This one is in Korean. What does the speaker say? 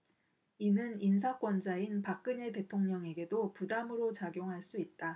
이는 인사권자인 박근혜 대통령에게도 부담으로 작용할 수 있다